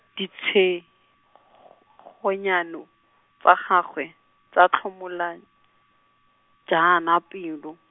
ditshe- g- -gonyano, tsa gagwe, tsa tlhomola, jaana pelo.